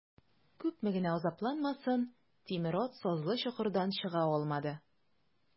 Күпме генә азапланмасын, тимер ат сазлы чокырдан чыга алмады.